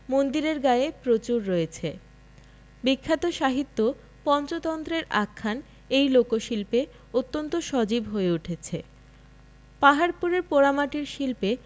মন্দিরের গায়ে প্রচুর রয়েছে বিখ্যাত সাহিত্য পঞ্চতন্ত্রের আখ্যান এই লোকশিল্পে অত্যন্ত সজীব হয়ে উঠেছে পাহাড়পুরের পোড়ামাটির শিল্পে